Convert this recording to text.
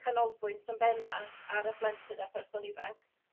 canolbwynt yn benna' ar y blentyn a'r person ifanc.